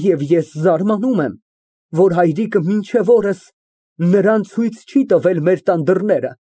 Եվ ես զարմանում եմ, որ հայրիկը մինչև օրս նրան ցույց չի տվել մեր տան դռները։